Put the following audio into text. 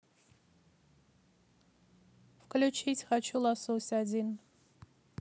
включить хочу лосось один